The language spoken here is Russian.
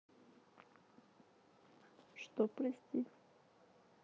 что прости